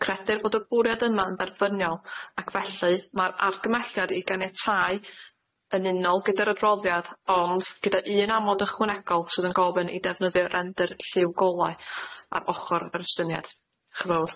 Credir fod y bwriad yma'n dderbyniol ac felly ma'r argymelliad i ganiatáu yn unol gyda'r adroddiad ond, gyda un amod ychwanegol sydd yn gofyn i defnyddio render lliw golau ar ochor yr ystyniad. Diolch yn fowr.